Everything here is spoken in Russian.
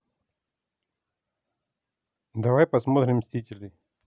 давай посмотрим мстителей